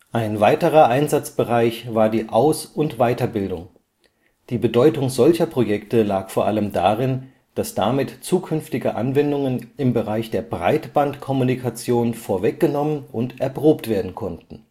Ein weiterer Einsatzbereich war die Aus - und Weiterbildung. Die Bedeutung solcher Projekte lag vor allem darin, dass damit zukünftige Anwendungen im Bereich der Breitbandkommunikation vorweggenommen und erprobt werden konnten